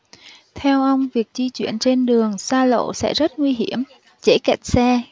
theo ông việc di chuyển trên đường xa lộ sẽ rất nguy hiểm dễ kẹt xe